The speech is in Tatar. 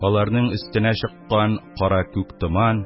Аларның өстенә чыккан кара-күк томан,